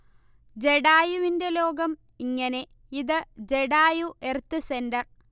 ജടായുവിന്റെ ലോകം ഇങ്ങനെ. ഇത് ജടായു എർത്ത് സെന്റർ